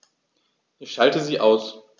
Ich schalte sie aus.